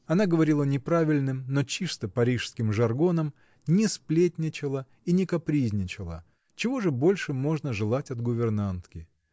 Она говорила неправильным, но чисто парижским жаргоном, не сплетничала и не капризничала -- чего же больше можно желать от гувернантки?